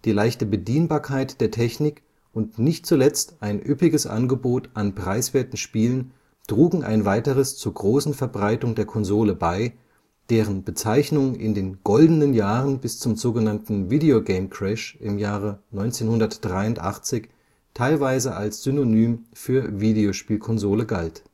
leichte Bedienbarkeit der Technik und nicht zuletzt ein üppiges Angebot an preiswerten Spielen trugen ein weiteres zur großen Verbreitung der Konsole bei, deren Bezeichnung in den Goldenen Jahren bis zum so genannten Video Game Crash im Jahre 1983 teilweise als Synonym für Videospielekonsole galt